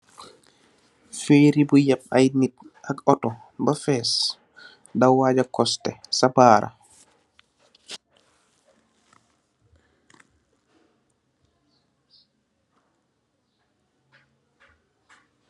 Ferry bu yep ay nit ak auto ba fess, da waaja kosteh sa barra.